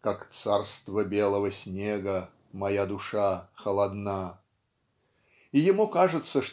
Как царство белого снега Моя душа холодна и ему кажется